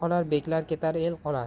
beklar ketar el qolar